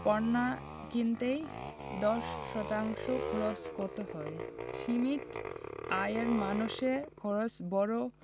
পণ্য কিনতেই ২০ শতাংশ খরচ করতে হয় সীমিত আয়ের মানুষের খরচের বড়